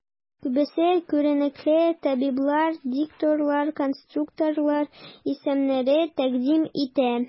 Күбесе күренекле табиблар, дикторлар, конструкторлар исемнәрен тәкъдим итә.